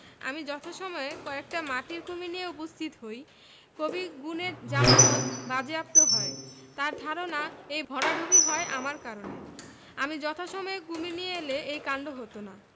আমি যথাসময়ে কয়েকটা মাটির কুমীর নিয়ে উপস্থিত হই কবি গুণের জামানত বাজেয়াপ্ত হয় তাঁর ধারণা এই ভরাডুবি হয় আমার কারণে আমি যথাসময়ে কুমীর নিয়ে এলে এই কান্ড হত না